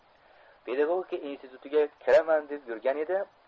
pedagogika institutiga kiraman deb yurgan edi